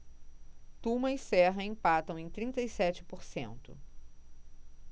tuma e serra empatam em trinta e sete por cento